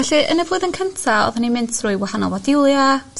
felly yn y flwyddyn cynta odda ni'n mynd trwy wahanol fodiwlia